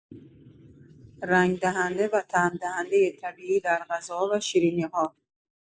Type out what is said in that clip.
رنگ‌دهنده و طعم‌دهنده طبیعی در غذاها و شیرینی‌ها